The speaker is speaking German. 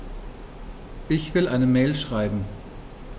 Ich will eine Mail schreiben.